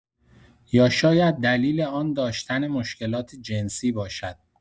یا شاید دلیل آن داشتن مشکلات جنسی باشد!